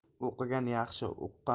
o'qigan yaxshi uqqan